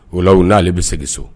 Wala u n'ale bɛ segin so